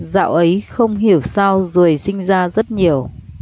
dạo ấy không hiểu sao ruồi sinh ra rất nhiều